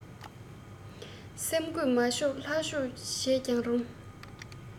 སེམས གོས མ ཆོད ལྷ ཆོས བྱས ཀྱང རུང